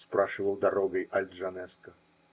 -- спрашивал дорогой Аль-Джанеско.